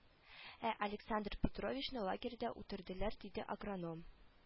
Ә александр петровичны лагерьда үтерделәр диде агроном